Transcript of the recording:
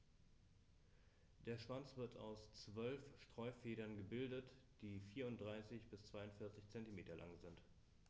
Der Schwanz wird aus 12 Steuerfedern gebildet, die 34 bis 42 cm lang sind.